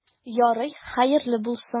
Ярый, хәерле булсын.